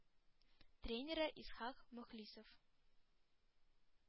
Тренеры – исхак мөхлисов